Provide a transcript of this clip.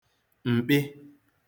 m̀kpị